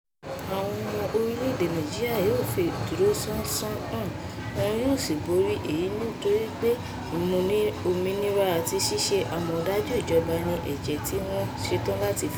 Àwọn ọmọ orílẹ̀ èdè Nàìjíríà yóò fi ìdúróṣánṣán hàn wọn yóò sì borí èyí nítorí pé òmìnira àti ṣíṣe àmọ̀dájú ìjọba ní ẹ̀jẹ̀ tí wọ́n ṣetán láti fi sílẹ̀.